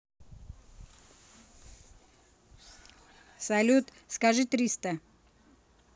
салют скажи триста